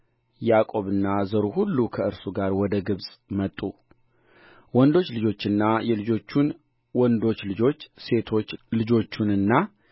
የነበሩት ወንድሞቼና የአባቴ ቤተ ሰዎች ወደ እኔ መጥተዋል እነርሱም በግ የሚጠብቁ ሰዎች ናቸው እንስሳ ያረቡ ነበርና